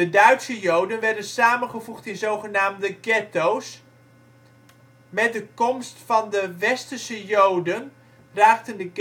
Duitse Joden werden samengevoegd in zogenaamde getto 's. Met de komst van de westerse Joden raakten